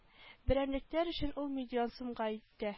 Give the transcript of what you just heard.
Берәмлекләр өчен ул миллион сумга итә